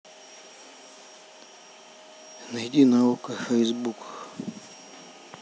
найди на окко фейсбук